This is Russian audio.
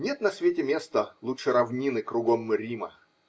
Нет на свете места лучше равнины кругом Рима.